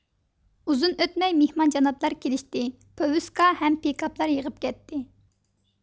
ئۇزۇن ئۆتمەي مېھمان جاناپلار كېلشتى پوۋۈسكا ھەم پىكاپلار يېغىپ كەتتى